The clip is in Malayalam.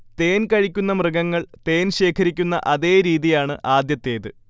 തേൻകഴിക്കുന്ന മൃഗങ്ങൾ തേൻശേഖരിക്കുന്ന അതേ രീതിയാണ് ആദ്യത്തേത്